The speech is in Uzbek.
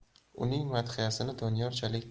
uning madhiyasini doniyorchalik